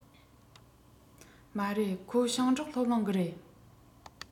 མ རེད ཁོ ཞིང འབྲོག སློབ གླིང གི རེད